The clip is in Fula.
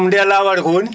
ndee laawaare ko woni